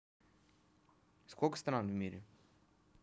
а сколько стран в мире